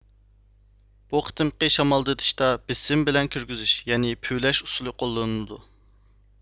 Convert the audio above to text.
بۇ قېتىمقى شامالدىتىشتا بېسىم بىلەن كىرگۈزۈش يەنى پۈۋلەش ئۇسۇلى قوللىنىلدى